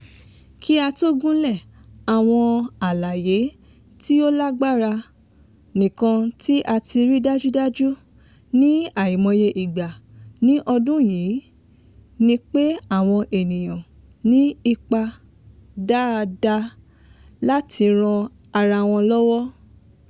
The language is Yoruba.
Kí á tó gùnlé àwọn àlàyé tí ó lágbára, nǹkan tí a ti rí dájúdájú ní àìmọye ìgbà ní ọdún yìí ni pé àwọn ènìyàn ní ipá daada láti ran ara wọn lọ́wọ́.